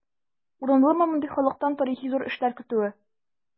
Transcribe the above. Урынлымы мондый халыктан тарихи зур эшләр көтүе?